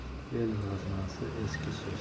el g'aznasi eski so'z